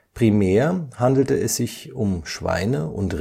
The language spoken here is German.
Primär handelte es sich um Schweine und Rinder